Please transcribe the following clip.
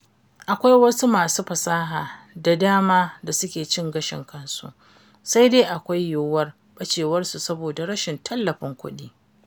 'Akwai wasu masu fasaha da dama da suke cin gashin kansu, sai dai akwai yiwuwar ɓacewarsu saboda rashin tallafin kuɗi''.